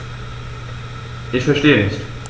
Ich verstehe nicht.